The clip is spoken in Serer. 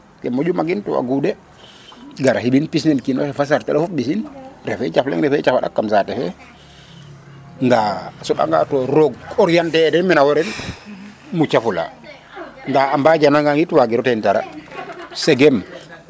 ten moƴu magi to a guɗe gara xanin pis ne kino xe fo a sartale fop ɓisin refe jaf leŋ refe cafa tadak kam saate fe nda a soɓa ga to roog orienter e den mena wo rek muca fula nda a mbaja ngaan it wagiro teen dara segem